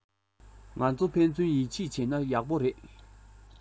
ང ཚོ ཕན ཚུན ཡིད ཆེད བྱེད ན ཡག པོ རེད